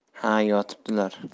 ha yotibdilar